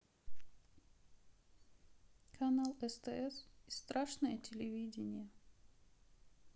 канал стс и страшное телевидение